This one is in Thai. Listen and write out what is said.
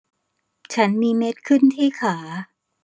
ฉันมีเม็ดขึ้นที่ขา